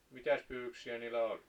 mitäs pyydyksiä niillä oli